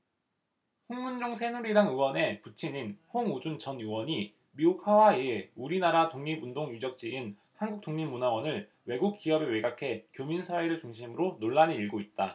홍문종 새누리당 의원의 부친인 홍우준 전 의원이 미국 하와이의 우리나라 독립운동 유적지인 한국독립문화원을 외국 기업에 매각해 교민 사회를 중심으로 논란이 일고 있다